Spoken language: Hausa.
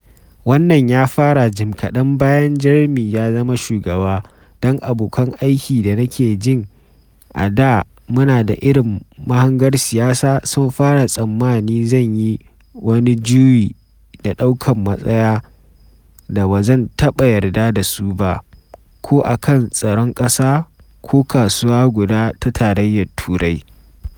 Wannan ya fara jim kaɗan bayan Jeremy ya zama shugaba, don abokan aiki da nake jin a da muna da irin mahangar siyasa sun fara tsammani zan yi wani juyi da daukan matsaya da ba zan taɓa yarda da su ba - ko a kan tsaron ƙasa ko kasuwa guda ta Tarayyar Turai.